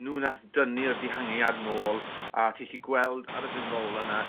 n'w nath dynnu'r dihangiad nôl a ti 'llu gweld ar y ddringfa ola 'na